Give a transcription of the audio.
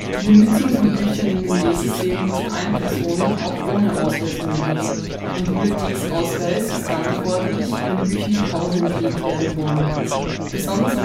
Die Benützung von Büchern in den Lesesälen ist allen Personen, auch ohne Ausweis, möglich. Ein Bibliotheksausweis ist dann erforderlich, wenn Bücher nach Hause entlehnt werden wollen. Besonders